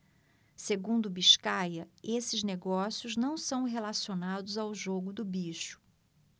segundo biscaia esses negócios não são relacionados ao jogo do bicho